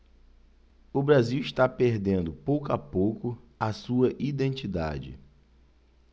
o brasil está perdendo pouco a pouco a sua identidade